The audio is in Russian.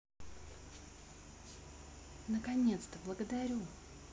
наконец то благодарю